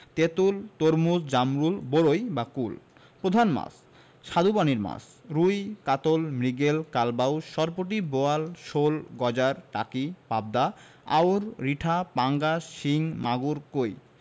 তেঁতুল তরমুজ জামরুল বরই বা কুল প্রধান মাছঃ স্বাদুপানির মাছ রুই কাতল মৃগেল কালবাউস সরপুঁটি বোয়াল শোল গজার টাকি পাবদা আইড় রিঠা পাঙ্গাস শিং মাগুর কৈ